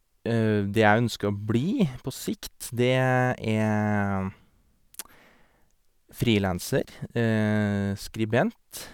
Det jeg ønsker å bli på sikt, det er frilanser, skribent.